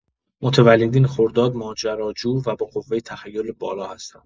متولدین خرداد ماجراجو و با قوه تخیل بالا هستند.